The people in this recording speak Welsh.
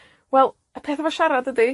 Wel, y peth efo siarad ydi,